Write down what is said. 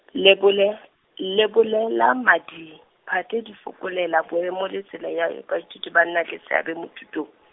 lebole-, lebolelamading, phate di fokelela boemo le tsela ya baithuti ba nnang le seabe mo thutong.